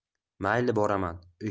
mayli boraman o'sha